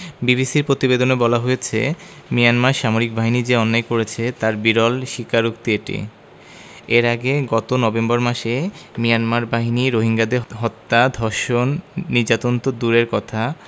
বিবিসির প্রতিবেদনে বলা হয়েছে মিয়ানমার সামরিক বাহিনী যে অন্যায় করেছে তার বিরল স্বীকারোক্তি এটি এর আগে গত নভেম্বর মাসে মিয়ানমার বাহিনী রোহিঙ্গাদের হত্যা ধর্ষণ নির্যাতন তো দূরের কথা